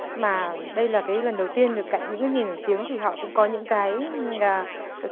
mà đây là cái lần đầu tiên được cạnh những người nổi tiếng thì họ cũng có những cái